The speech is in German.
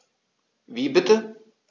Wie bitte?